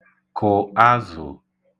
kụ̀ azụ̀